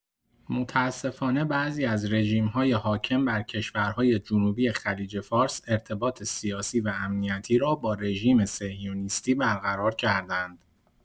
متاسفانه بعضی از رژیم‌های حاکم بر کشورهای جنوبی خلیج‌فارس، ارتباط سیاسی و امنیتی را با رژیم صهیونیستی برقرار کرده‌اند.